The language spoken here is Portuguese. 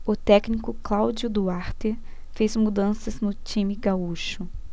o técnico cláudio duarte fez mudanças no time gaúcho